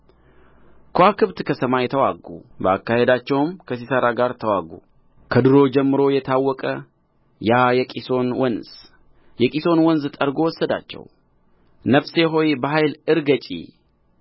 ከዋክብት ከሰማይ ተዋጉ በአካሄዳቸውም ከሲሣራ ጋር ተዋጉ ከዱሮ ጀምሮ የታወቀ ያ የቂሶን ወንዝ የቂሶን ወንዝ ጠርጎ ወሰዳቸው ነፍሴ ሆይ በኃይል እርገጪ